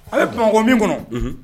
A bɛ kumako min kɔnɔ